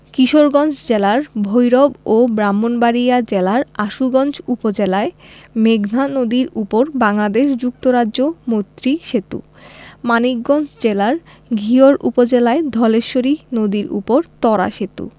কিশোরগঞ্জ জেলার ভৈরব ও ব্রাহ্মণবাড়িয়া জেলার আশুগঞ্জ উপজেলায় মেঘনা নদীর উপর বাংলাদেশ যুক্তরাজ্য মৈত্রী সেতু মানিকগঞ্জ জেলার ঘিওর উপজেলায় ধলেশ্বরী নদীর উপর ত্বরা সেতু